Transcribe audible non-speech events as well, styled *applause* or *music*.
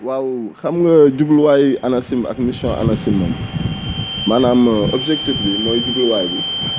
waaw xam nga jubluwaayu ANACIM ak mission ANACIM moom *noise* maanaam objectif bi mooy * bi